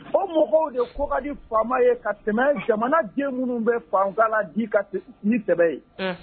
O mɔgɔw de ko ka di faama ye ka tɛmɛ jamana den minnu bɛ fan ni tɛmɛ ye